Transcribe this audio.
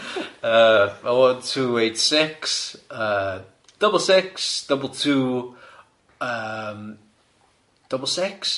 Yy oh one two eight six yy double six double two yym double six?